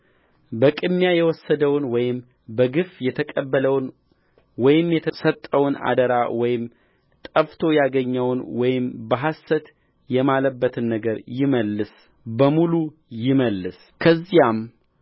በቅሚያ የወሰደውን ወይም በግፍ የተቀበለውን ወይም የተሰጠውን አደራ ወይም ጠፍቶ ያገኘውን ወይም በሐሰት የማለበትን ነገር ይመልስ በሙሉ ይመልስ ከዚያም